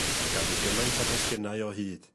Mae ganddi gymaint o gwestiynau o hyd.